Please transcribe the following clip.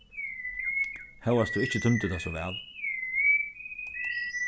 hóast tú ikki tímdi tað so væl